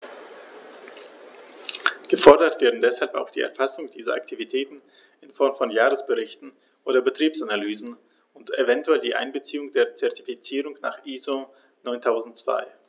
Gefordert werden deshalb auch die Erfassung dieser Aktivitäten in Form von Jahresberichten oder Betriebsanalysen und eventuell die Einbeziehung in die Zertifizierung nach ISO 9002.